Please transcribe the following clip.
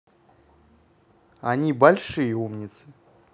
они большие умницы